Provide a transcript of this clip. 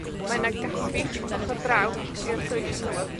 Mae 'na gaffi ochor draw i'r twyni tywod..